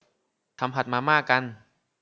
ทำผัดมาม่ากัน